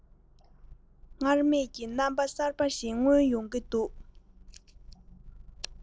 སྔར མེད ཀྱི རྣམ པ གསར པ ཞིག མངོན ཡོང གི འདུག